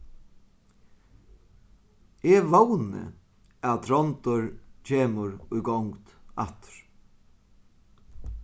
eg vóni at tróndur kemur í gongd aftur